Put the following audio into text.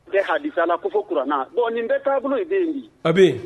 E ha' la ko ko kuranna bon nin bɛ taabolo ye den di a bɛ